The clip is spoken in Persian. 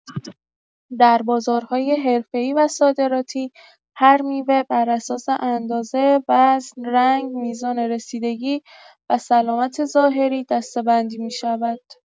در بازارهای حرفه‌ای و صادراتی، هر میوه براساس اندازه، وزن، رنگ، میزان رسیدگی و سلامت ظاهری دسته‌بندی می‌شود.